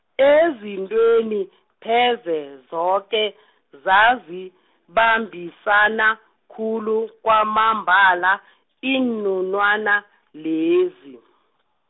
ezintweni, pheze zoke , zazibambisana, khulu kwamambala, iinunwana lezi.